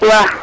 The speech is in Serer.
waaw